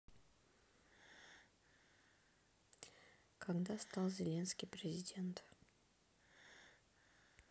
когда стал зеленский президент